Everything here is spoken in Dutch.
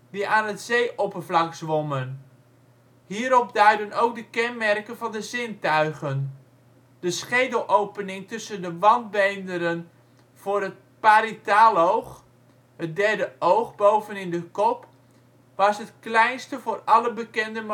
die aan het zeeoppervlak zwommen. Hierop duiden ook de kenmerken van de zintuigen: de schedelopening tussen de wandbeenderen voor het parietaaloog (" derde oog " bovenin de kop) was het kleinste voor alle bekende